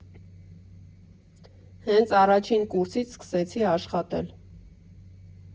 Հենց առաջին կուրսից սկսեցի աշխատել։